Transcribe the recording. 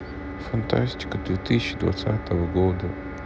фантастика две тысячи двадцатого года